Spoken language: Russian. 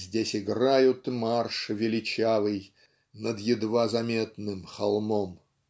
Здесь играют марш величавый Над едва заметным холмом.